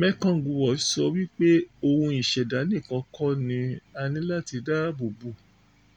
Mekong Watch sọ wípé ohun ìṣẹ̀dá nìkan kọ́ ni a ní láti dáàbò bò